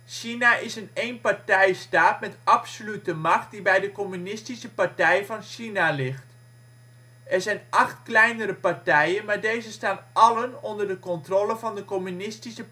China is een eenpartijstaat met absolute macht die bij de Communistische Partij van China ligt. Er zijn acht kleinere partijen, maar deze staan allen onder de controle van de Communistische